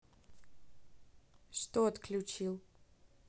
что отключил